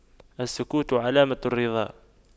السكوت علامة الرضا